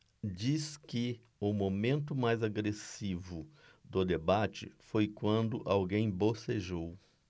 diz que o momento mais agressivo do debate foi quando alguém bocejou